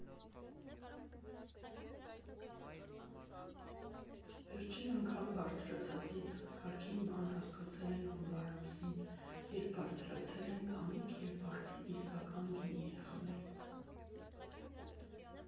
Վերջին անգամ բարձրացածից «կարգին բան» հասկացել են հունվար ամսին, երբ բարձրացել են տանիք և վարդի իսկական գինի են խմել։